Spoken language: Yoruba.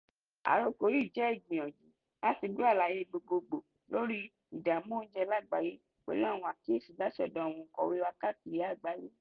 Àròkọ yìí jẹ́ ìgbìyànjú láti gbé àlàyé gbogbogbò lórí ìdààmú oúnjẹ lágbàáyé pẹ̀lú àwọn àkíyèsí láti ọ̀dọ̀ àwọn òǹkọ̀wé wa káàkiri àgbáyé.